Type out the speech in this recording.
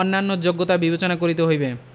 অন্যান্য যোগ্যতা বিবেচনা করিতে হইবে